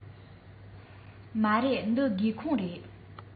མ རེད འདི སྒེའུ ཁུང རེད